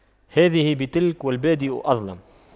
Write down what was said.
هذه بتلك والبادئ أظلم